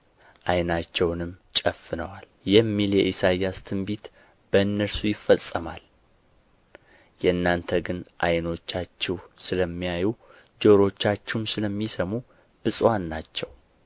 ዓይናቸውንም ጨፍነዋል የሚል የኢሳይያስ ትንቢት በእነርሱ ይፈጸማል የእናንተ ግን ዓይኖቻችሁ ስለሚያዩ ጆሮቻችሁም ስለሚሰሙ ብፁዓን ናቸው